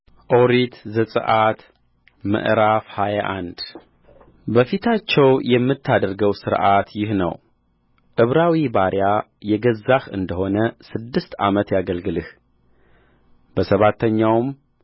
ኦሪት ዘጽአት ምዕራፍ ሃያ አንድ በፊታቸው የምታደርገው ሥርዓት ይህ ነው ዕብራዊ ባሪያ የገዛህ እንደሆነ ስድስት ዓመት ያገልግልህ በሰባተኛውም